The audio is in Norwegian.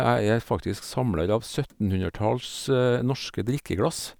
Jeg er faktisk samler av søttenhundretalls norske drikkeglass.